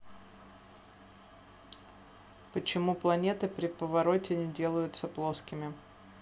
почему планеты при повороте не делаются плоскими